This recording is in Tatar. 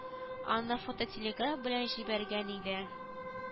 Аны фототелеграф белән җибәргән иде